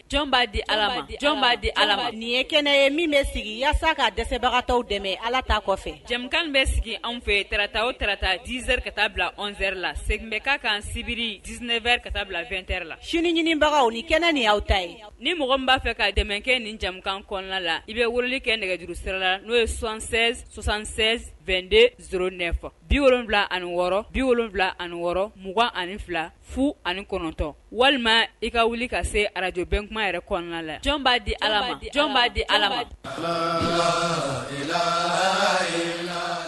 Jɔn b'a di ala jɔn'a di ala nin ye kɛnɛ ye min bɛ sigi walasasa ka dɛsɛbagata dɛmɛ ala ta kɔfɛ jamu min bɛ sigi anw fɛ tta o tata dzeri ka taa bila zeri la sɛ bɛ ka kan sibiri dseɛrɛ ka taa bila fɛnɛ la su ɲinibagaw ni kɛnɛ ni aw ta ye ni mɔgɔ b'a fɛ ka dɛmɛ kɛ nin jamanakan kɔnɔna la i bɛ wuli kɛ nɛgɛjuru sera la n'o ye sonsan sonsan72de s ne bi wolon wolonwula ani wɔɔrɔ biwula ani wɔɔrɔ m 2ugan ani fila fu ani kɔnɔntɔn walima i ka wuli ka se arajbɛntuma yɛrɛ kɔnɔna la jɔn b'a di ala jɔn b'a di